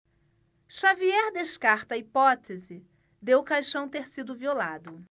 xavier descarta a hipótese de o caixão ter sido violado